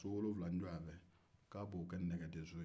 so wolonwula n'u y'a dilan k'a bɛ o kɛ nɛgɛdenso